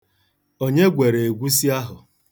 Onye gwere egwusi ahụ?